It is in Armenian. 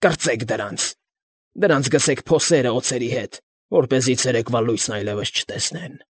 Կրծեք դրանց։ Դրանց գցենք փոսերը օձերի հետ, որպեսզի ցերեկվա լույսն այլևս չտեսնեն։